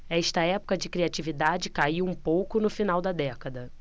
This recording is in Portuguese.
esta época de criatividade caiu um pouco no final da década